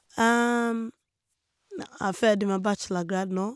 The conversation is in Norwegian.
Jeg er ferdig med bachelorgrad nå.